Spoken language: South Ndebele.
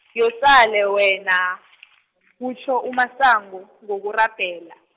yosale wena , kutjho uMasango, ngokurabhela.